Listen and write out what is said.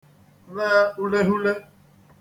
le uleghule